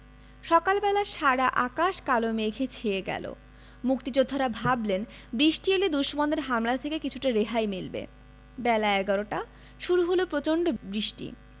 সকাল বেলা সারা আকাশ কালো মেঘে ছেয়ে গেল মুক্তিযোদ্ধারা ভাবলেন বৃষ্টি এলে দুশমনের হামলা থেকে কিছুটা রেহাই মিলবে বেলা এগারোটা শুরু হলো প্রচণ্ড বৃষ্টি